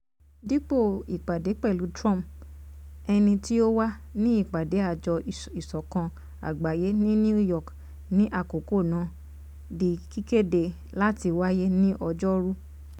Dípò, ìpàdé pẹ̀lú Trump, ẹni tí ó wà ní ìpàdé Àjọ ìṣọ̀kan Àgbáyé ní New York ní àkókò náà, di kíkéde láti wáyé ní ọjọ́’rú.